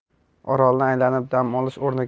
orolni aylanib dam olish